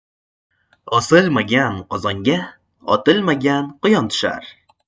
osilmagan qozonga otilmagan quyon tushar